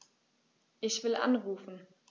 Ich will anrufen.